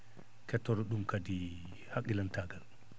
kettoro ?on kadi haqilantaagal